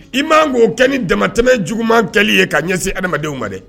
I ma kan k'o kɛ ni damatɛmɛ juguman kɛli ye k'a ɲɛsin adamadenw ma dɛ